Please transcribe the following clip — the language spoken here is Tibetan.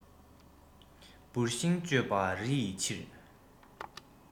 བུར ཤིང གཅོད པ རི ཡི ཕྱིར